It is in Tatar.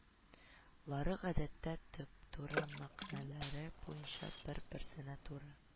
Лары гадәттә төп, туры мәгънәләре буенча бер-берсенә туры